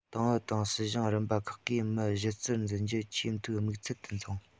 ཏང ཨུ དང སྲིད གཞུང རིམ པ ཁག གིས མི གཞི རྩར འཛིན རྒྱུ ཆེས མཐོའི དམིགས ཚད དུ བཟུང